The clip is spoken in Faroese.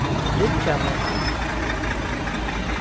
ryggjavegur